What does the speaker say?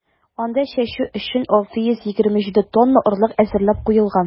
Анда чәчү өчен 627 тонна орлык әзерләп куелган.